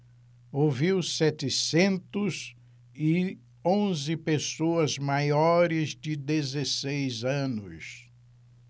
ouviu setecentos e onze pessoas maiores de dezesseis anos